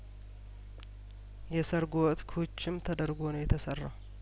የሰርጉ ወጥ ኩችም ተደርጐ ነው የተሰራው